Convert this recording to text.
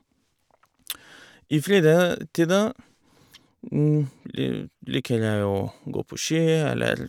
I frida tida li liker jeg å gå på ski eller...